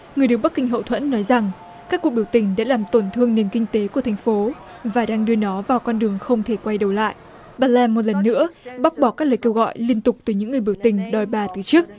người được bắc kinh hậu thuẫn nói rằng các cuộc biểu tình đã làm tổn thương nền kinh tế của thành phố và đang đưa nó vào con đường không thể quay đầu lại bà lem một lần nữa bác bỏ các lời kêu gọi liên tục từ những người biểu tình đòi bà từ chức